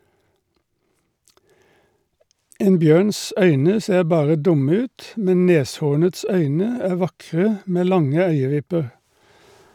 En bjørns øyne ser bare dumme ut, men neshornets øyne er vakre, med lange øyevipper.